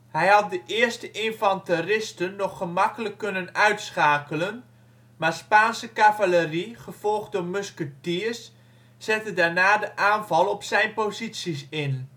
Hij had de eerste infanteristen nog gemakkelijk kunnen uitschakelen, maar Spaanse cavalerie gevolgd door musketiers zette daarna de aanval op zijn posities in